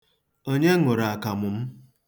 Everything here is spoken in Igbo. Onye ṅụrụ akamụ m?